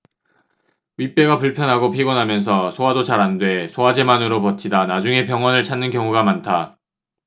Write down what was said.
윗배가 불편하고 피곤하면서 소화도 잘 안 돼 소화제만으로 버티다 나중에 병원을 찾는 경우가 많다